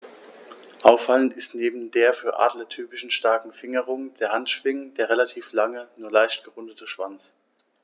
Auffallend ist neben der für Adler typischen starken Fingerung der Handschwingen der relativ lange, nur leicht gerundete Schwanz.